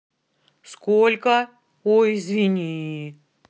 сколько ой извини